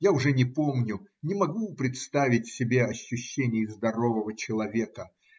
Я уже не помню, не могу представить себе ощущений здорового человека.